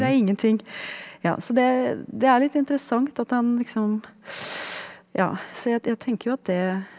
det er ingenting ja så det det er litt interessant at han liksom ja så jeg jeg tenker jo at det.